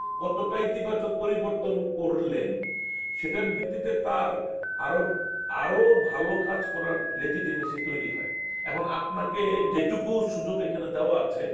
কতটা ইতিবাচক পরিবর্তন করলেন সেটার ভিত্তিতে তার আরও আরো ভালো কাজ করার লেজিটিমেসি তৈরি হয় এখন আপনাকে যেটুকু সুযোগ এখানে দেওয়া আছে